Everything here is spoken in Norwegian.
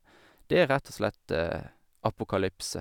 Det er rett og slett apokalypse.